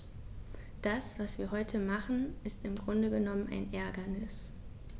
Das, was wir heute machen, ist im Grunde genommen ein Ärgernis.